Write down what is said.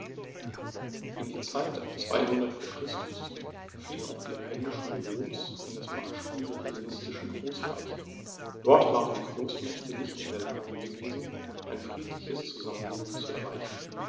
In die Zeit ab 200 v. Chr. fiel auch die Einmischung Roms in das Machtspiel der hellenistischen Großreiche: Dort waren die Großmächte nicht in der Lage gewesen, ein friedliches Zusammenleben zu erreichen.